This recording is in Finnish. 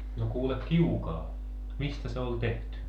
no kuule kiuas mistä se oli tehty